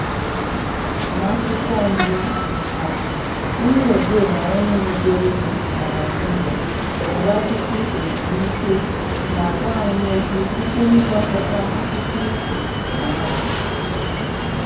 N'akwụkwọ mbụ a, onye odee na onye na-ede uri na Naijiria bụ Nwachukwu Egbunike na-agwa anyị okwu site n'ịgwakọta akụkọ ifo na abụ.